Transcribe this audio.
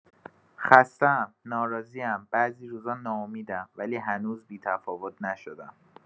خسته‌ام، ناراضی‌ام، بعضی روزا ناامیدم، ولی هنوز بی‌تفاوت نشدم.